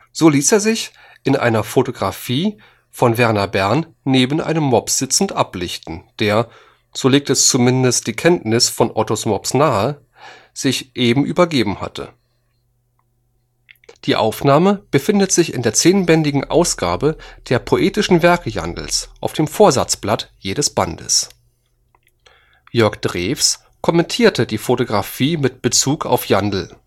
So ließ er sich in einer Fotografie von Werner Bern neben einem Mops sitzend ablichten, der – so legt es zumindest die Kenntnis von ottos mops nahe – sich eben übergeben hatte. Die Aufnahme findet sich in der zehnbändigen Ausgabe der Poetischen Werke Jandls auf dem Vorsatzblatt jedes Bandes. Jörg Drews kommentierte die Fotografie mit Bezug auf Jandl